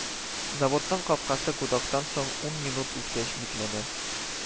Заводның капкасы гудоктан соң ун минут үткәч бикләнә